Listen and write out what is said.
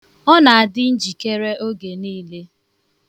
Ọ na-adị njikere oge niile.